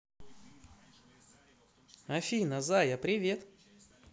афина зая привет